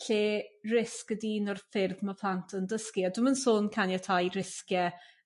Lle risg ydi un o'r ffyrdd ma' plant yn dysgu a dwi'm yn sôn caniatáu risge